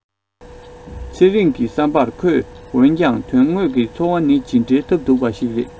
ཚེ རིང གི བསམ པར ཁོས འོན ཀྱང དོན དངོས འཚོ བ ནི ཇི འདྲའི ཐབས སྡུག པ ཞིག རེད